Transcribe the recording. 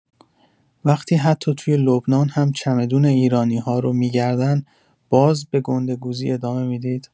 وقتی حتی توی لبنان هم چمدون ایرانی‌ها رو می‌گردن باز به گنده گوزی ادامه می‌دید؟